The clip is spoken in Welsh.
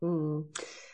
Hmm.